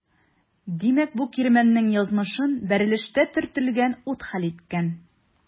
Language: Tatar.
Димәк бу кирмәннең язмышын бәрелештә төртелгән ут хәл иткән.